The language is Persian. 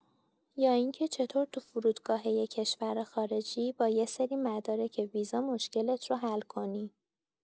یا اینکه چطور تو فرودگاه یه کشور خارجی، با یه سری مدارک ویزا مشکلت رو حل کنی.